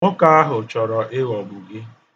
Nwoke ahụ chọrọ ịghọgbu gị.